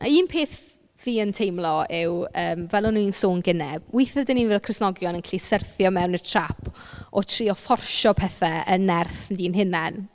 A un peth ff- fi yn teimlo yw yym fel o'n i'n sôn gynnau, weithiau dan ni fel Cristnogion yn gallu syrthio mewn i'r trap o trio fforsio peth yn nerth ni'n hunain.